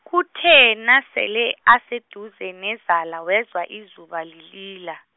kuthe nasele, aseduze nezala wezwa izuba lilila.